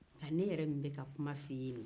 hali ne yɛrɛ min bɛ ka kuma fo i ye nin